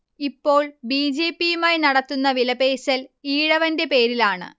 ഇപ്പോൾ B. J. P യുമായി നടത്തുന്ന വിലപേശൽ ഈഴവന്റെ പേരിലാണ്